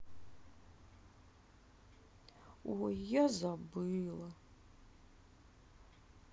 ой я забыла